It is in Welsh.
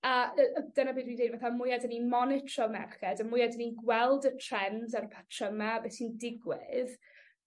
a dy- yy dyna be' dwi'n deud fatha y mwya 'dyn ni monitro merched y mwya 'dyn ni'n gweld y trends patryme a be' sy'n digwydd